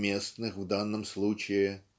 уместных в данном случае.